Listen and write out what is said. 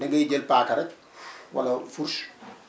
da ngay jël paaka rek wala fourch